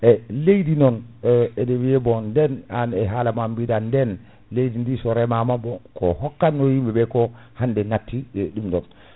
e leydi noon ene wiiye bon ndeen an e haala ma biɗa nden leydi ndi so remama ko hokkat no yimɓeɓe ko hande natti e ɗum ɗon